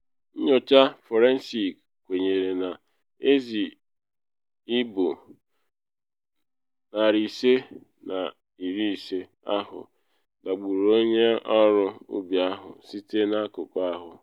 Nnyocha fọrensik kwenyere na ezi ibu 550 ahụ dagburu onye ọrụ ubi ahụ, site na akụkọ ahụ.